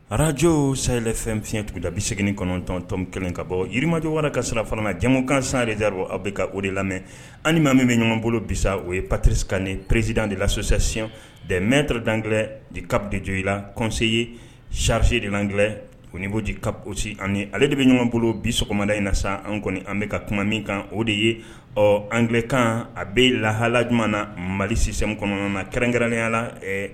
Ararajo sayɛlɛfɛnyyɛn tuguda bi segin kɔnɔntɔntɔn kelen ka bɔ yiriirimajɔwa ka sira farama jɛmu kan san dedia aw bɛ ka o de lamɛn anilima min bɛ ɲɔgɔnbolo bisa o ye paprisi ka ni pressid de lasosɔsiy de mɛntɔ dantigɛgɛ de kate jo i la kɔse ye sarisi delantigɛ aniboo di osi ani ale de bɛ ɲɔgɔnbolo bi sɔgɔmada in na an kɔni an bɛka ka kuma min kan o de ye ɔ angelekan a bɛ lahala jamana na mali sisin kɔnɔna na kɛrɛnnenya la ɛ